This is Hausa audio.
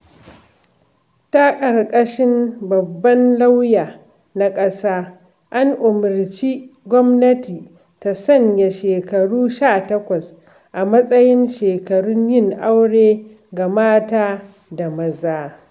Ta ƙarƙashin babban lauya na ƙasa, an umarci gwamnati ta sanya shekaru 18 a matsayin shekarun yin aure ga mata da maza.